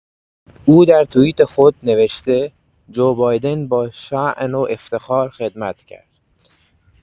او در توییت خود نوشته: «جو بایدن باشان و افتخار خدمت کرد.»